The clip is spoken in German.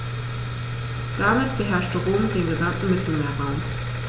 Damit beherrschte Rom den gesamten Mittelmeerraum.